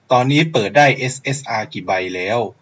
ตอนนี้เปิดได้เอสเอสอากี่ใบแล้ว